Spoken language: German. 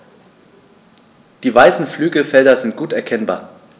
Die weißen Flügelfelder sind gut erkennbar.